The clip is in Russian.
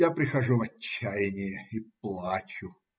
Я прихожу в отчаяние и плачу.